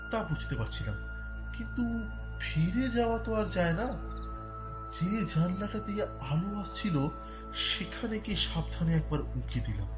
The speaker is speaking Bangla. তা বুঝতে পারছিলাম কিন্তু ফিরে যাওয়া তো আর যায় না যে জানালাটা দিয়ে আলো আসছিল সেখানে গিয়ে সাবধানে একবার উঁকি দিলাম